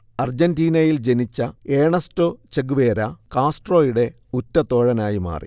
അർജന്റീനയിൽ ജനിച്ച Ernesto Che Guevara, കാസ്ട്രോയുടെ ഉറ്റതോഴനായി മാറി